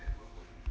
люмен благовещенск